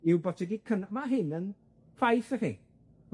yw bod 'i di cyn- ma' hyn yn ffaith i chi.